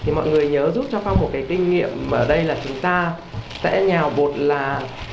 thì mọi người nhớ giúp cho phong một cái kinh nghiệm ở đây là chúng ta sẽ nhào bột là